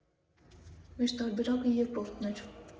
Մեր տարբերակը երկրորդն էր։